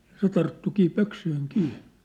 ja se tarttuikin pöksyihin kiinni